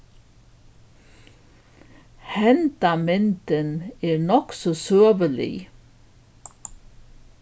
hendan myndin er nokk so søgulig